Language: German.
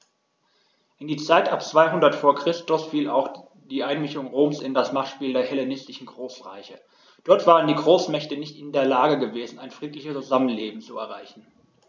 In die Zeit ab 200 v. Chr. fiel auch die Einmischung Roms in das Machtspiel der hellenistischen Großreiche: Dort waren die Großmächte nicht in der Lage gewesen, ein friedliches Zusammenleben zu erreichen.